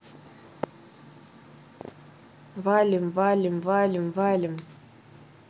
валим валим валим валим